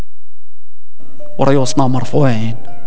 مرفوعين